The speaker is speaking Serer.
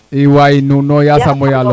i waay nuuno yasam o yaaloxe